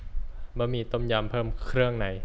บะหมี่ต้มยำเพิ่มเครื่องใน